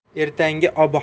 ertangi ob havo